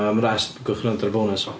Am rest gewch chi wrando ar y bonws 'ma.